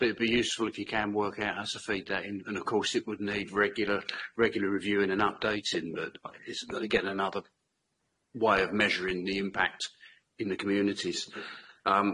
It'd be useful if you can work out how to feed that in and of course it would need regular regular reviewing and updating but it's going to get another way of measuring the impact in the communities. Yym.